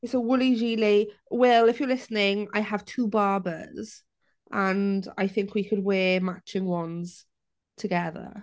It's a woolly gilet. Will if you're listening, I have two Barbours and I think we could wear matching ones together.